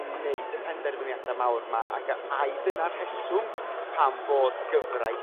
i wneud y penderfyniada' mawr 'ma ag a- ai dyna rheswm pam bod gyfraith